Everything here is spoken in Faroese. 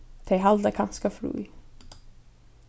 tey halda kanska frí